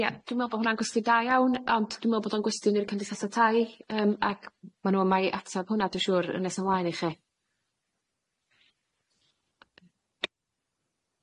Ia dwi me'wl bo' hwnna'n gwesty da iawn ond dwi me'wl bod o'n gwestiwn i'r cymdeithasa' tai yym ac ma' nw yma i atab hwnna dwi siŵr yn nes ymlaen i chi.